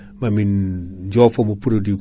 eyyi reemoɓeɓe kaadi eɓe kettimin